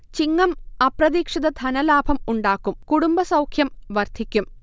ചിങ്ങം അപ്രതീക്ഷിത ധനലാഭം ഉണ്ടാക്കും കുടുംബസൗഖ്യം വർധിക്കും